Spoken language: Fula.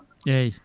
eyyi